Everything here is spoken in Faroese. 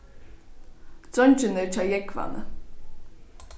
dreingirnir hjá jógvani